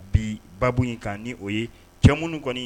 Bi ye cɛ kɔni